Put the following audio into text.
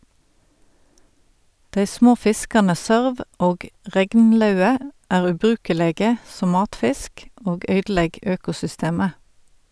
Dei små fiskane sørv og regnlaue er ubrukelege som matfisk og øydelegg økosystemet.